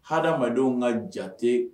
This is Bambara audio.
Hadamadenw ka jatete